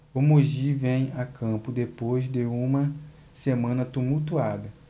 o mogi vem a campo depois de uma semana tumultuada